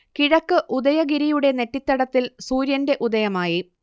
കിഴക്ക് ഉദയഗിരിയുടെ നെറ്റിത്തടത്തിൽ സൂര്യന്റെ ഉദയമായി